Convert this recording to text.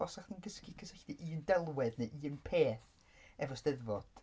Os 'sa chdi'n cysgu... cysylltu un delwedd neu un peth efo 'Steddfod